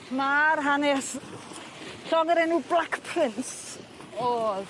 Ma'r hanes llong o'r enw Black Prince o'dd.